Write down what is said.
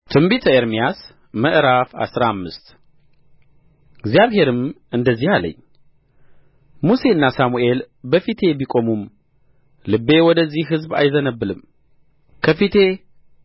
ትንቢተ ኤርምያስ ምዕራፍ አስራ አምስት እግዚአብሔርም እንደዚህ አለኝ ሙሴና ሳሙኤል በፊቴ ቢቆሙም ልቤ ወደዚህ ሕዝብ አይዘነብልም ከፊቴ